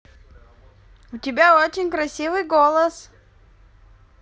у тебя очень красивый голос